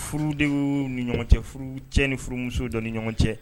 Furudenw ni ɲɔgɔn cɛ cɛ ni furumuso dɔ ni ɲɔgɔn cɛ